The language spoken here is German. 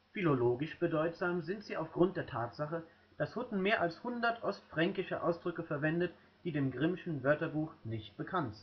Philologisch bedeutsam sind sie aufgrund der Tatsache, dass Hutten mehr als 100 ostfränkische Ausdrücke verwendet, die dem Grimmschen Wörterbuch nicht bekannt